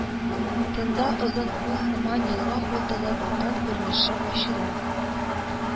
Тында озын күл сыман елга култыгы затон күренеше ачыла